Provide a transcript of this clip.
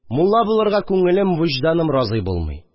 Мулла булырга күңелем, вөҗданым разый булмый.